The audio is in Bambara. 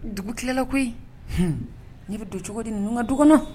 Dugu tilala koyi n'i bɛ don cogo di ninnu ka du kɔnɔ